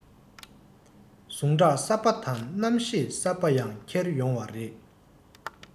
ཟུངས ཁྲག གསར པ དང རྣམ ཤེས གསར པ ཡང ཁྱེར ཡོང བ རེད